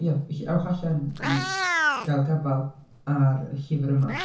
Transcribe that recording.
Ie, felly awch allan i gael gafael ar y llyfr yma.